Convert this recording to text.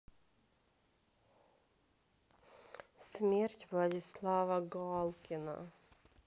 смерть владислава галкина